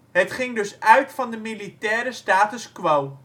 Het ging dus uit van de militaire status quo